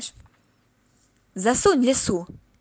засунь лесу